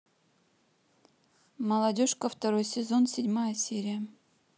молодежка второй сезон седьмая серия